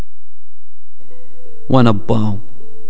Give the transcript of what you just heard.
ونبئهم